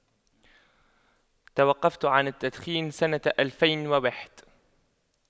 توقفت عن التدخين سنة الفين وواحد